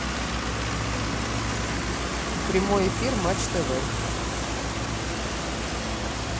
прямой эфир матч тв